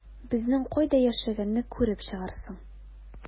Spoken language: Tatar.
Безнең кайда яшәгәнне күреп чыгарсың...